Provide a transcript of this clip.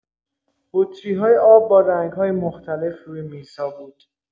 بطری‌های آب با رنگ‌های مختلف روی میزها بود.